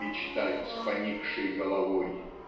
Мечтать с поникшей головой.